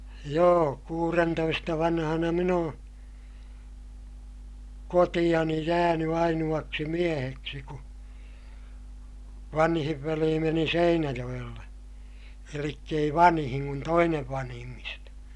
joo kuudentoista vanhana minä olen kotiini jäänyt ainoaksi mieheksi kun vanhin veli meni Seinäjoelle eli ei vanhin kun toinen vanhimmista